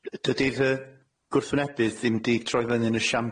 Yy dydi'r yy gwrthwynebydd ddim 'di troi fyny yn y siambyr